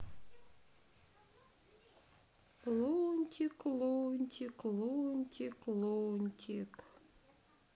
лунтик лунтик лунтик лунтик